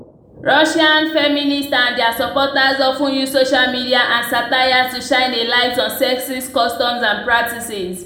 Russian feminists and their supporters often use social media and satire to shine a light on sexist customs and practices.